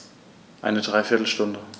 Eine dreiviertel Stunde